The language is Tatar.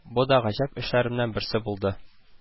Бу да гаҗәп эшләремнән берсе булды